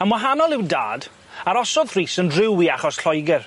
Yn wahanol i'w dad arosodd Rhys yn driw i achos Lloeger.